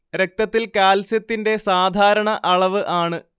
രക്തത്തിൽ കാൽസ്യത്തിന്റെ സാധാരണ അളവ് ആണ്